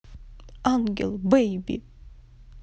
ангел бейби